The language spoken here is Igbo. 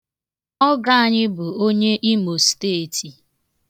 Ọgọ anyị bụ onye Imo steeti.